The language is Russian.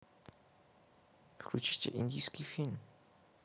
включить индийские фильмы